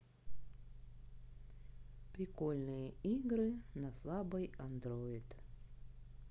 прикольные игры на слабый андроид